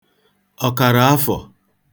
ọ̀kàràafọ̀